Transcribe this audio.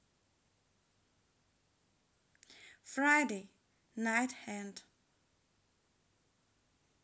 friday night and